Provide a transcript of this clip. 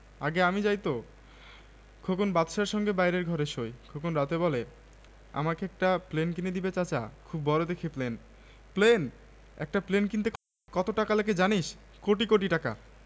আগে আমি যাই তো খোকন বাদশার সঙ্গে বাইরের ঘরে শোয় খোকন রাতে বলে আমাকে একটা প্লেন কিনে দিবে চাচা খুব বড় দেখে প্লেন প্লেন একটা প্লেন কিনতে কত টাকা লাগে জানিস কোটি কোটি টাকা